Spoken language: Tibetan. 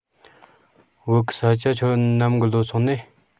བོད གི ས ཆ ཁྱོད ནམ གི ལོ སོང ནིས